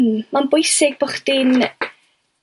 hmm ma'n bwysig bo' chdi'n